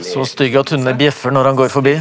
så stygg at hunder bjeffer når han går forbi.